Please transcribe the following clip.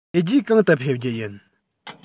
དེ རྗེས གང དུ ཕེབས རྒྱུ ཡིན